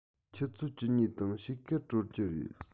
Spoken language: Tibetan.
ཆུ ཚོད བཅུ གཉིས དང ཕྱེད ཀར གྲོལ གྱི རེད